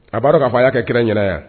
A b'a dɔn'a fɔ y'a kɛrɛn ɲɛna